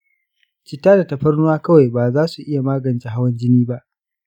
citta da tafarnuwa kawai ba zasu iya magance hawan jini ba.